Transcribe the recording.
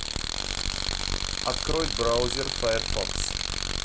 открой браузер firefox